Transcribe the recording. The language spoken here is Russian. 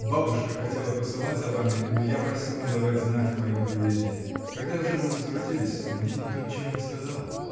— Бабушка хотела посылать за вами, но я просил не давать знать о моем приезде. Когда же вы возвратились? Мне никто ничего не сказал.